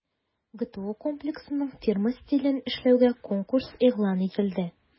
ГТО Комплексының фирма стилен эшләүгә конкурс игълан ителде.